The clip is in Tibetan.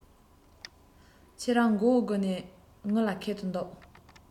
ཁོ རང མགོ བོ སྒུར ནས ངུ ལ ཁད དུ འདུག